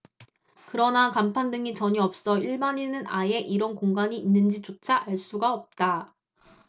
그러나 간판 등이 전혀 없어 일반인은 아예 이런 공간이 있는지조차 알 수가 없다